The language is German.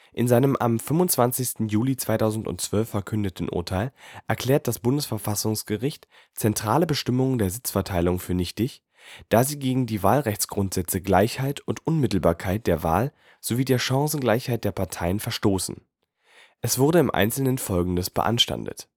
In seinem am 25. Juli 2012 verkündeten Urteil erklärte das Bundesverfassungsgericht zentrale Bestimmungen der Sitzverteilung für nichtig, da sie gegen die Wahlrechtsgrundsätze Gleichheit und Unmittelbarkeit der Wahl sowie der Chancengleichheit der Parteien verstoßen. Es wurde im Einzelnen folgendes beanstandet